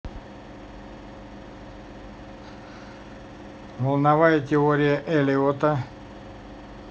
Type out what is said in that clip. волновая теория эллиота